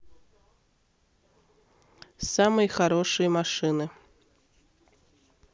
самые хорошие машины